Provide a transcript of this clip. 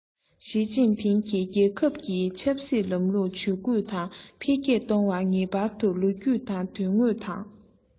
ཞིས ཅིན ཕིང གིས རྒྱལ ཁབ ཀྱི ཆབ སྲིད ལམ ལུགས ཇུས བཀོད དང འཕེལ རྒྱས གཏོང བར ངེས པར དུ ལོ རྒྱུས དང དོན དངོས དང